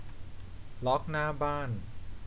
ล็อคหน้าบ้าน